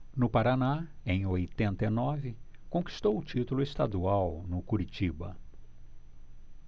no paraná em oitenta e nove conquistou o título estadual no curitiba